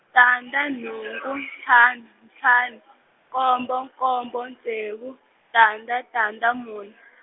tandza nhungu ntlhanu ntlhanu nkombo nkombo ntsevu, tandza tandza mune.